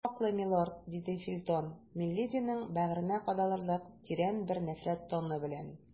Сез хаклы, милорд, - диде Фельтон милединың бәгыренә кадалырлык тирән бер нәфрәт тоны белән.